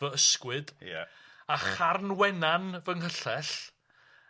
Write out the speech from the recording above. fy ysgwy ia a charnwenan fy nghyllell